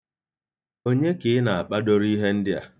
Onye ka ị na-akpadoro ihe ndị a?